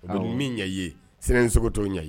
O bɛ min ɲan i ye sira n ɲɛ sogo t'o ɲan i ye.